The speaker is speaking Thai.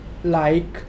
ไลค์